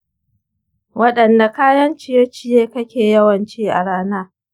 waɗanne kayan ciye-ciye kake yawan ci a rana?